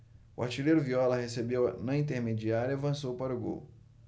o artilheiro viola recebeu na intermediária e avançou para o gol